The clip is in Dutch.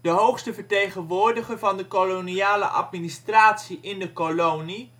hoogste vertegenwoordiger van de koloniale administratie in de kolonie